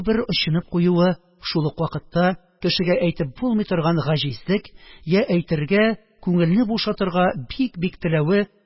Бер очынып куюы, шул ук вакытта кешегә әйтеп булмый торган гаҗизлек, ә әйтергә, күңелне бушатырга бик-бик теләве